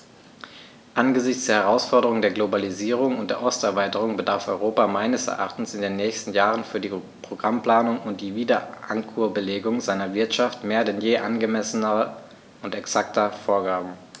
Angesichts der Herausforderung der Globalisierung und der Osterweiterung bedarf Europa meines Erachtens in den nächsten Jahren für die Programmplanung und die Wiederankurbelung seiner Wirtschaft mehr denn je angemessener und exakter Vorgaben.